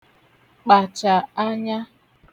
kpàchà anya